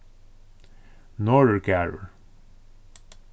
norðurgarður